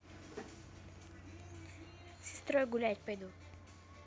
с сестрой гулять пойду